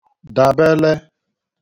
dàbele